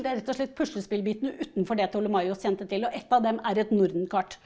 det er rett og slett puslespillbitene utenfor det Ptolemaios kjente til og et av dem er et Norden-kart.